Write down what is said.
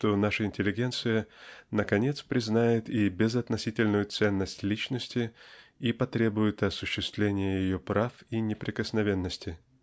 что наша интеллигенция наконец признает и без относительную ценность личности и потребует осуществления ее прав и неприкосновенности.